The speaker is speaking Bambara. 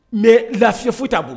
N bɛ la futa' bon